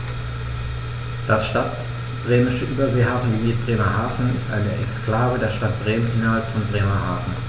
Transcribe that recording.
Das Stadtbremische Überseehafengebiet Bremerhaven ist eine Exklave der Stadt Bremen innerhalb von Bremerhaven.